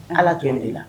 Ala tɛ ni de la